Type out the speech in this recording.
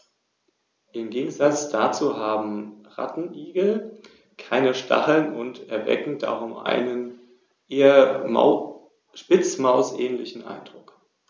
Nach mehreren Rückschlägen und wechselhaftem Kriegsglück gelang es Rom schließlich, besonders auf Sizilien Fuß zu fassen und die karthagische Flotte mehrmals zu schlagen.